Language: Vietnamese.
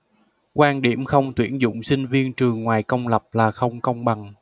quan điểm không tuyển dụng sinh viên trường ngoài công lập là không công bằng